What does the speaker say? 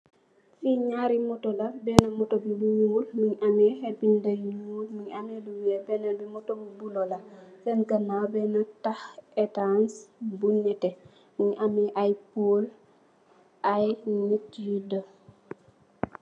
Fi nyaari moto, benn moto bi bu ñuul mungi ameh ay binda yu ñuul mungi ameh lu weeh. Benn bi moto bu bulo la. Senn ganaaw Benn taah etans bu nètè mungi ameh ay pool, ay nit yi doh.